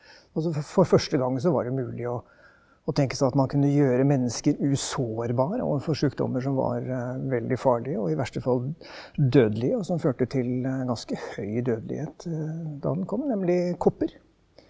altså for første gang så var det mulig å å tenke seg at man kunne gjøre mennesker usårbar ovenfor sjukdommer som var veldig farlig og i verste fall dødelige og som førte til ganske høy dødelighet da den kom, nemlig kopper.